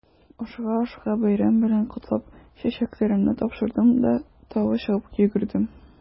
Ашыга-ашыга бәйрәм белән котлап, чәчәкләремне тапшырдым да тагы чыгып йөгердем.